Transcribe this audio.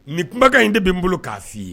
Nin kamakan in de b bi n bolo ka fi ye.